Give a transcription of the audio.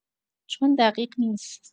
چون دقیق نیست.